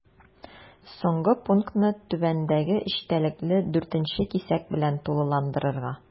Соңгы пунктны түбәндәге эчтәлекле 4 нче кисәк белән тулыландырырга.